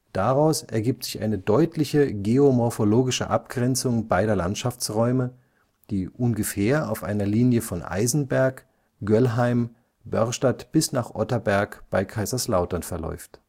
Daraus ergibt sich eine deutliche geomorphologische Abgrenzung beider Landschaftsräume, die ungefähr auf einer Linie von Eisenberg, Göllheim, Börrstadt bis nach Otterberg bei Kaiserslautern verläuft